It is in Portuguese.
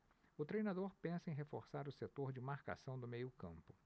o treinador pensa em reforçar o setor de marcação do meio campo